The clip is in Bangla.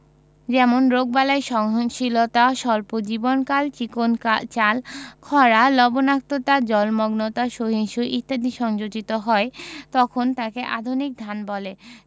যেমন রোগবালাই সহনশীলতা স্বল্প জীবনকাল চিকন চাল খরা লবনাক্ততা জলমগ্নতা সহিষ্ণু ইত্যাদি সংযোজিত হয় তখন তাকে আধুনিক ধান বলে